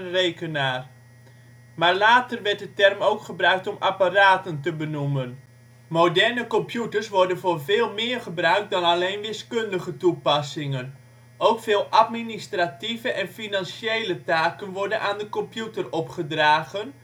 rekenaar "- maar later werd de term ook gebruikt om apparaten te benoemen. Moderne computers worden voor veel meer gebruikt dan alleen wiskundige toepassingen. Ook veel administratieve en financiële taken worden aan de computer opgedragen